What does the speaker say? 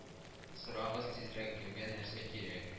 Сорагыз тизрәк кемгә нәрсә кирәк